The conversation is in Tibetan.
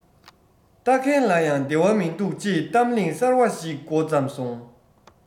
ལྟ མཁན ལ ཡང བདེ བ མི འདུག ཅེས གཏམ གླེང གསར པ ཞིག གི མགོ བརྩམས སོང